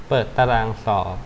เปิดตารางสอบ